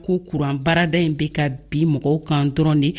ko kuran baarada in bɛ ka bin mɔgɔw kan dɔrɔn de